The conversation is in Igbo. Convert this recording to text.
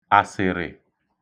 àsị̀rị̀